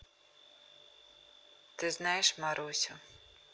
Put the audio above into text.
ты знаешь марусю